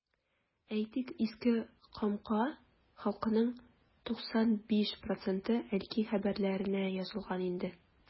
Әйтик, Иске Камка халкының 95 проценты “Әлки хәбәрләре”нә язылган инде.